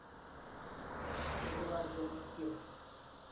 влад гомосек